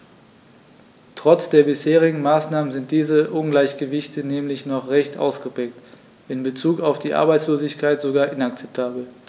Trotz der bisherigen Maßnahmen sind diese Ungleichgewichte nämlich noch recht ausgeprägt, in bezug auf die Arbeitslosigkeit sogar inakzeptabel.